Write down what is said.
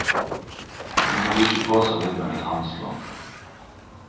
nú havi eg ikki posa við mær til handils longur